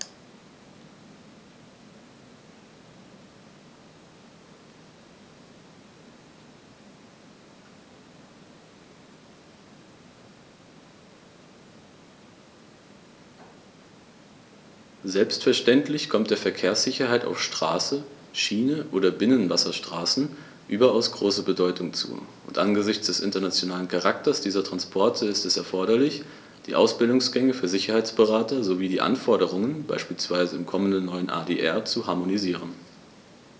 Selbstverständlich kommt der Verkehrssicherheit auf Straße, Schiene oder Binnenwasserstraßen überaus große Bedeutung zu, und angesichts des internationalen Charakters dieser Transporte ist es erforderlich, die Ausbildungsgänge für Sicherheitsberater sowie die Anforderungen beispielsweise im kommenden neuen ADR zu harmonisieren.